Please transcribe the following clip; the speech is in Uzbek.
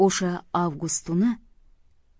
o'sha avgust tuni